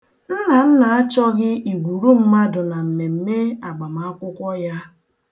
Nnanna achọghị igwuru mmadụ na mmemme agbamakwụkwọ ya.